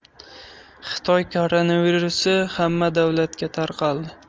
xitoy koronavirusi hamma davlatga tarqaldi